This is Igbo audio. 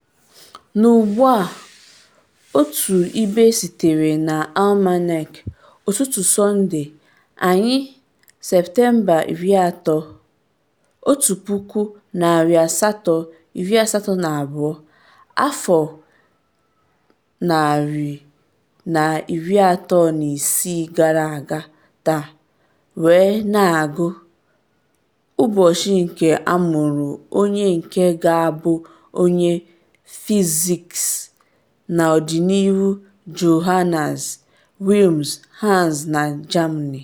N’Ugbu a otu ibe sitere na Almanak “Ụtụtụ Sọnde” anyị: Septemba 30, 1882, afọ136 gara aga taa, wee Na-agụ ... ụbọchị nke amụrụ onye nke ga-abụ onye fiziks n’ọdịnihu Johannes Wilhem “Hans” na Germany.